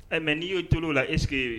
Ɛ mais n'i y'o tolen ola est ce que